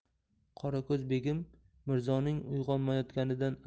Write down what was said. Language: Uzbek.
qorako'z begim mirzoning uyg'onmayotganidan